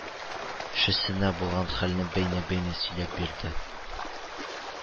Шесенә булган хәлне бәйнә-бәйнә сөйләп бирде